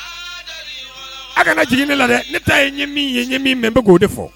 A kana jigin ne la dɛ ne taa ye ɲɛ min ye ɲɛ min bɛn bɛ k'o de fɔ